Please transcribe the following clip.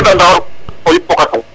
o beta nge o ten xoɓatel